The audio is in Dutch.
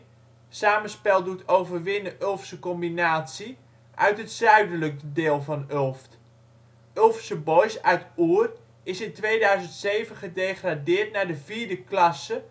Samenspel Doet Overwinnen Ulftse Combinatie) uit het zuidelijke deel van Ulft. Ulftse Boys uit Oer is in 2007 gedegradeerd naar de vierde klasse